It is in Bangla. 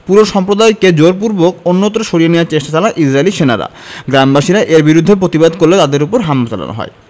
পুরো সম্প্রদায়কে জোরপূর্বক অন্যত্র সরিয়ে নেয়ার চেষ্টা চালায় ইসরাইলি সেনারা গ্রামবাসীরা এর বিরুদ্ধে প্রতিবাদ করলে তাদের ওপর হামলা চালানো হয়